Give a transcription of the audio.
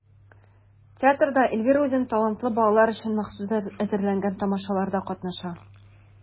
Театрда Эльвира үзен талантлы балалар өчен махсус әзерләнгән тамашаларда катнаша.